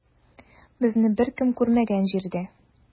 Безне беркем күрмәгән җирдә.